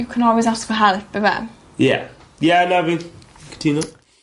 You can always ask for help yfe? Ie ia na fi'n cytuno.